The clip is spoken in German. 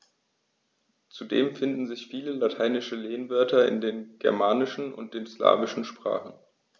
Zudem finden sich viele lateinische Lehnwörter in den germanischen und den slawischen Sprachen.